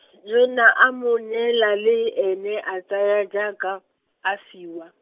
Jona a mo neela le ene a tsaya jaaka, a fiwa.